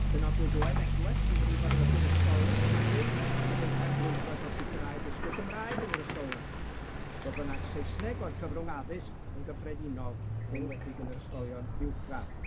Penodwyd Owe Em Edwards yn brif arolygydd ysgolion yng Nghymru, ag yntau'n brwydro dros sicirau dysgu Gymraeg yn yr ysgolion, fodd bynnag Saesneg oedd cyfrwng addysg yn gyffredinol, yn enwedig yn yr ysgolion uwchradd.